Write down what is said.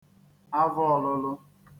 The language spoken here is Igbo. avọ̄ ọ̄lụ̄lụ̄